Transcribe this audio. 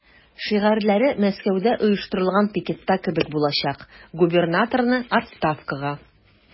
Шигарьләре Мәскәүдә оештырылган пикетта кебек булачак: "Губернаторны– отставкага!"